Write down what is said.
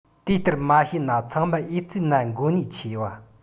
དེ ལྟར མ བྱས ན ཚང མར ཨེ ཙི ནད འགོ ཉེན ཆེ བ